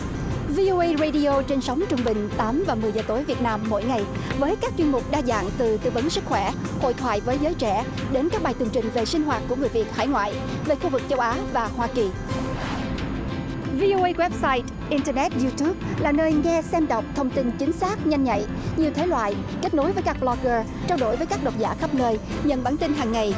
vi âu ây rây đi ô trên sóng trung bình tám và mười giờ tối việt nam mỗi ngày với các chuyên mục đa dạng từ tư vấn sức khỏe hội thoại với giới trẻ đến các bài tường trình về sinh hoạt của người việt hải ngoại về khu vực châu á và hoa kỳ vi âu ây guep sai in tơ nét iu túp là nơi nghe xem đọc thông tin chính xác nhanh nhạy nhiều thể loại kết nối với các bơ lóc gơ trao đổi với các độc giả khắp nơi nhận bản tin hằng ngày